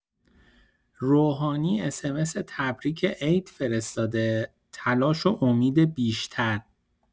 روحانی اس‌ام‌اس تبریک عید فرستاده، تلاش و امید بیشتر!